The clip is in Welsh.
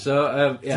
So yym ia.